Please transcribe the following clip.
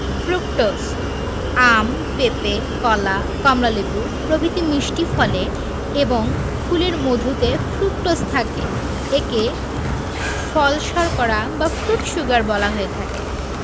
fructose আম পেপে কলা কমলালেবু প্রভৃতি মিষ্টি ফলে এবং ফুলের মধুতে ফ্রুকটোজ থাকে একে ফল শর্করা বা ফ্রুট শুগার বলা হয়ে থাকে